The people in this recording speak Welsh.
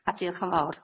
A diolch yn fawr.